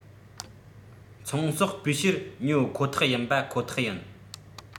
ཚོང ཟོག སྤུས ཞེར ཉོ ཁོ ཐག ཡིན པ ཁོ ཐག ཡིན